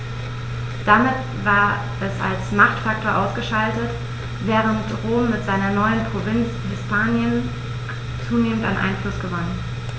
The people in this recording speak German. Damit war es als Machtfaktor ausgeschaltet, während Rom mit seiner neuen Provinz Hispanien zunehmend an Einfluss gewann.